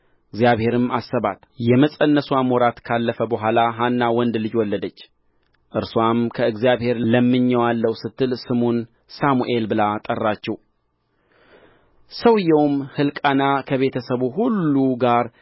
እግዚአብሔርም አሰባት የመፅነስዋም ወራት ካለፈ በኋላ ሐና ወንድ ልጅ ወለደች እርስዋም ከእግዚአብሔር ለምኜዋለሁ ስትል ስሙን ሳሙኤል ብላ ጠራችው ሰውዮውም ሕልቃና ከቤተ ሰቡ ሁሉ ጋር